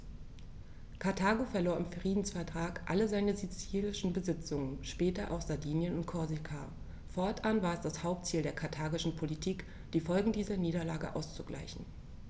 Karthago verlor im Friedensvertrag alle seine sizilischen Besitzungen (später auch Sardinien und Korsika); fortan war es das Hauptziel der karthagischen Politik, die Folgen dieser Niederlage auszugleichen.